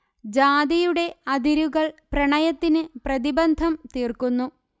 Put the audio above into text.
ജാതിയുടെ അതിരുകൾ പ്രണയത്തിന് പ്രതിബന്ധം തീർക്കുന്നു